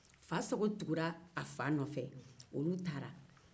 fasago tugura a fa nɔfe olu taara